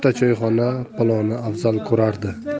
choyxona palovni afzal ko'rardi